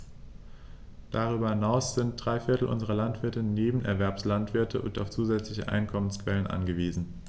Darüber hinaus sind drei Viertel unserer Landwirte Nebenerwerbslandwirte und auf zusätzliche Einkommensquellen angewiesen.